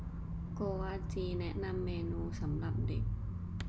โกวาจีแนะนำเมนูสำหรับเด็ก